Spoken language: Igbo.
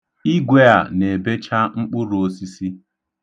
Igwe a na-ebecha mkpụrụosisi.